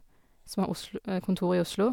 Som har Oslo kontor i Oslo.